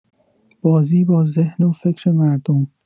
بازی با ذهن و فکر مردم